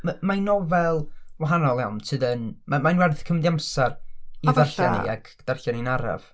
Ma' ma' hi'n nofel wahanol iawn sydd yn... mae mae'n werth cymryd ei amser i ddarllen hi ac darllen hi'n araf.